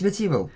Be ti'n feddwl?